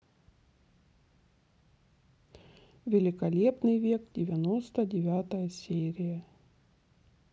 великолепный век девяносто девятая серия